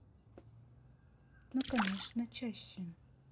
ну конечно чаще